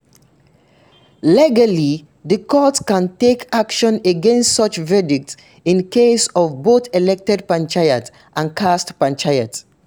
Legally, the courts can take action against such verdicts in case of both elected panchayats and caste panchayats.